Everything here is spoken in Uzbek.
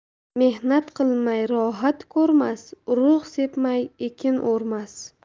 mehnat qilmay rohat ko'rmas urug' sepmay ekin o'rmas